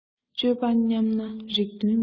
སྤྱོད པ ཉམས ན རིགས དོན མེད